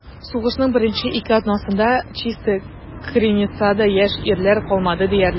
Сугышның беренче ике атнасында Чистая Криницада яшь ирләр калмады диярлек.